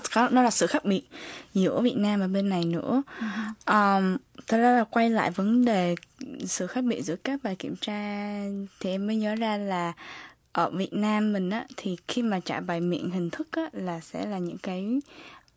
có nó là sự khác biệt giữa việt nam và bên này nữa ờ quay lại vấn đề sự khác biệt giữa các bài kiểm tra thì em mới nhớ ra là ở việt nam mình á thì khi mà trả bài miệng hình thức á là sẽ là những cái